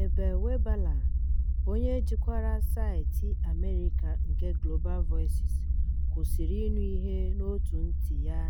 Abel Wabella, onye jikwara saịtị Amhariiki nke Global Voices, kwụsịrị ịnụ ihe n'ótù ntị ya